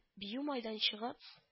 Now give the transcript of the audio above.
Бию мәйданчыгын